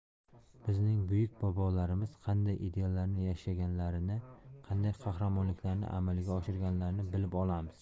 bizning buyuk bobolarimiz qanday ideallarni yashaganlarini qanday qahramonliklarni amalga oshirganlarini bilib olamiz